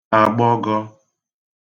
àgbọgọ̄bịà